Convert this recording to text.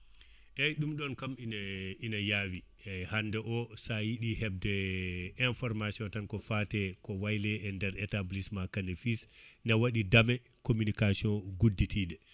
eyyi ɗum ɗon kam ine ine yaawi hande o sa yiiɗi hebde information tan ko fate ko wayle e nder établissement Kane et fils ne waɗi daame comunication gudditiɗe